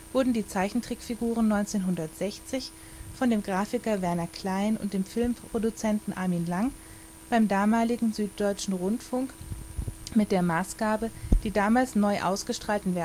wurden die Zeichentrickfiguren 1960 von dem Grafiker Werner Klein und dem Filmproduzenten Armin Lang beim damaligen Süddeutschen Rundfunk mit der Maßgabe, die damals neu ausgestrahlten